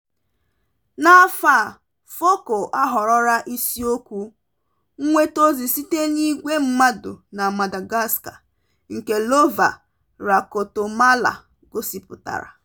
N'afọ a Foko ahọrọla isiokwu "Nweta Ozi site n'igwe mmadụ na Madagascar" nke Lova Rakotomala gosipụtara.